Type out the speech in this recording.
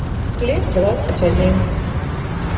хлеб двадцать один